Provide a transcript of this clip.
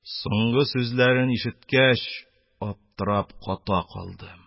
Соңгы сүзләрен ишеткәч, аптырап ката калдым